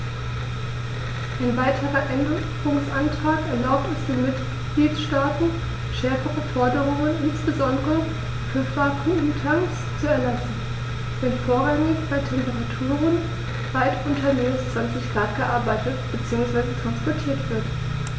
Ein weiterer Änderungsantrag erlaubt es den Mitgliedstaaten, schärfere Forderungen, insbesondere für Vakuumtanks, zu erlassen, wenn vorrangig bei Temperaturen weit unter minus 20º C gearbeitet bzw. transportiert wird.